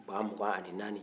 ba mugan ani naani